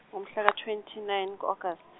ngomhla ka twenty nine ku August.